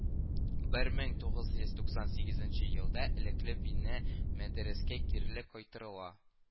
Бер мең тугыз йөз туксан сигезенче елда элекле бине мәдрәскә кире кайтырыла